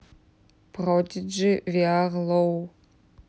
продиджи веар лоу